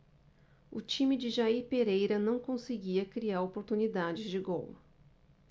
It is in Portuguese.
o time de jair pereira não conseguia criar oportunidades de gol